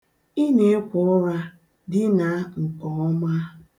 Ị na-ekwo ụra, dinaa nke ọma.